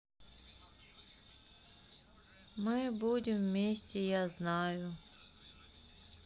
мы будем вместе я знаю